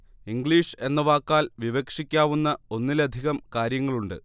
English എന്ന വാക്കാൽ വിവക്ഷിക്കാവുന്ന ഒന്നിലധികം കാര്യങ്ങളുണ്ട്